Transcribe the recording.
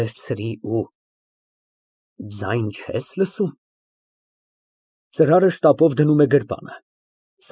Վերցրի ու… ձայն չե՞ս լսում։ (Ծրարը շտապով դնում է գրպանը)։